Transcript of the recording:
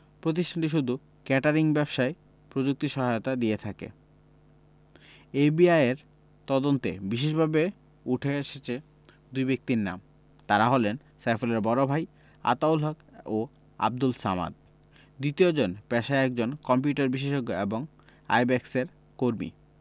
প্রতিষ্ঠানটি শুধু কেটারিং ব্যবসায় প্রযুক্তি সহায়তা দিয়ে থাকে এফবিআইয়ের তদন্তে বিশেষভাবে উঠে এসেছে দুই ব্যক্তির নাম তাঁরা হলেন সাইফুলের বড় ভাই আতাউল হক ও আবদুল সামাদ দ্বিতীয়জন পেশায় একজন কম্পিউটার বিশেষজ্ঞ এবং আইব্যাকসের কর্মী